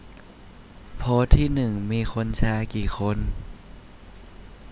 โพสต์ที่หนึ่งมีคนแชร์กี่คน